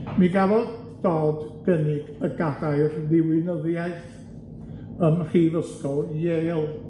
Mi gafodd Dodd gynnig y gadair ddiwinyddiaeth ym mhrifysgol Yale.